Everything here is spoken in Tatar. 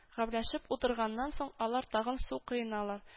Гәпләшеп утырганнан соң, алар тагын су коеналар